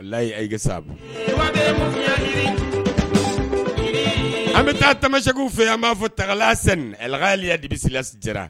Yi ayi sa an bɛ taa taama sew fɛ yan b'a fɔ tagalasni a laaleya debisi lasesi jɛra